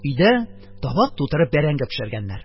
Өйдә табак тутырып, бәрәңге пешергәннәр.